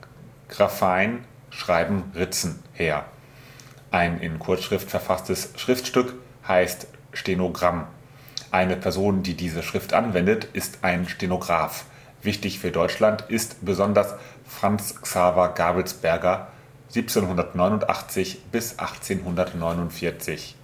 graphein („ schreiben “,„ ritzen “) her. Ein in Kurzschrift verfasstes Schriftstück heißt Stenogramm. Eine Person, die diese Schrift anwendet, ist ein Stenograf. Wichtig für Deutschland ist besonders Franz Xaver Gabelsberger (1789− 1849